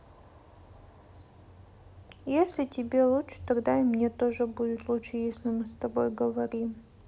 если тебе лучше тогда и мне тоже будет лучше если мы с тобой говорим